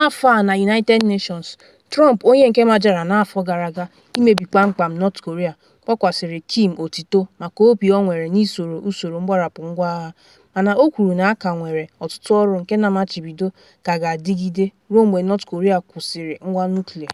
N’afọ a na United Nations, Trump onye nke majara n’afọ gara aga “imebi kpam kpam” North Korea, kpokwasara Kim otito maka obi ọ nwere n’isoro usoro mgbarapụ ngwa agha, mana o kwuru na a ka nwere ọtụtụ ọrụ nke na mmachibido ka ga-adịgide ruo mgbe North Korea kwụsịrị ngwa nuklịa.